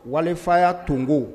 Walefa ya tungo.